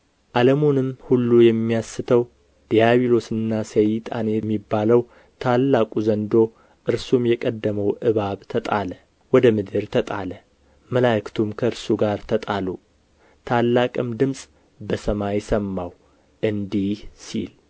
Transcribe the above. ዓለሙንም ሁሉ የሚያስተው ዲያብሎስና ሰይጣን የሚባለው ታላቁ ዘንዶ እርሱም የቀደመው እባብ ተጣለ ወደ ምድር ተጣለ መላእክቱም ከእርሱ ጋር ተጣሉ ታላቅም ድምፅ በሰማይ ሰማሁ እንዲህ ሲል